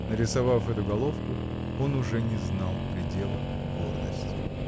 Нарисовав эту головку, он уже не знал предела гордости.